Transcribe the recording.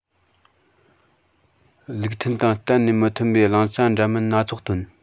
ལུགས དང གཏན ནས མི མཐུན པའི བླང བྱ འདྲ མིན སྣ ཚོགས བཏོན